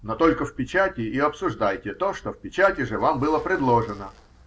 Но только в печати и обсуждайте то, что в печати же вам было предложено